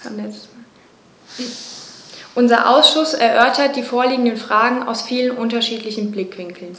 Unser Ausschuss erörtert die vorliegenden Fragen aus vielen unterschiedlichen Blickwinkeln.